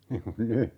niin kuin nyt